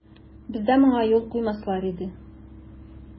Бездә моңа юл куймаслар иде.